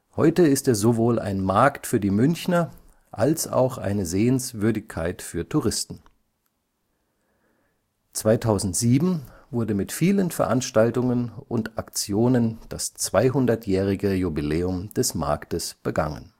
Heute ist er sowohl ein Markt für die Münchner als auch eine Sehenswürdigkeit für Touristen. 2007 wurde mit vielen Veranstaltungen und Aktionen das 200jährige Jubiläum des Marktes begangen